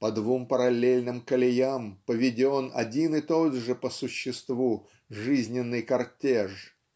по двум параллельным колеям поведен один и тот же по существу жизненный кортеж